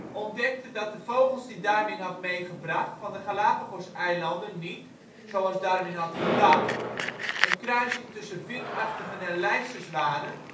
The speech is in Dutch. ontdekte dat de vogels die Darwin had meegebracht van de Galapagoseilanden niet, zoals Darwin had gedacht, een kruising tussen vinkachtigen en lijsters waren